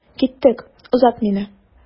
Киттек, озат мине.